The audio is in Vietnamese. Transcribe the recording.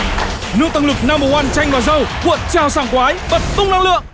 nước tăng lực năm bờ oăn tranh và dâu cuộn trào sảng khoái bật tung năng lượng